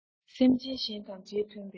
སེམས ཅན གཞན དང རྗེས མཐུན པའི